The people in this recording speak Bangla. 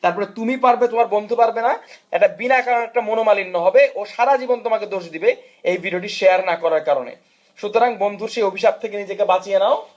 তারপরে তুমি পারবে তোমার বন্ধু পারবে না একটা বিরাট আকার একটা মনোমালিন্য হবে ও সারা জীবন তোমাকে দোষ দিবে এই ভিডিওটি শেয়ার না করার কারণে সুতরাং বন্ধুর অভিশাপ থেকে নিজেকে বাঁচিয়ে নাও